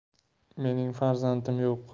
mening farzandim yo'q